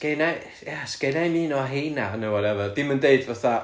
sgynna i ia "sgynna i'm un o heina" neu whatever 'di hi'm yn deud fatha